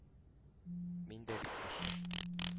Мин дә бит кеше,